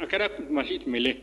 A kɛra kun dumansi tɛmɛnen